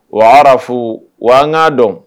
W fu w n'a dɔn